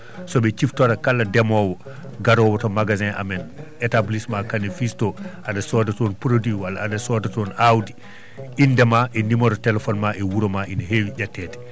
soɓe ciftora kala ndemoowo garowo to magasin amen établissement Kane et fils to aɗa sooda toon produit o walla aɗa sooda toon aawdi indema e numéro téléphone ma e wuuro ma ene heewi ƴettede